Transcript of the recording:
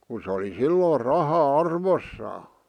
kun se oli silloin raha arvossaan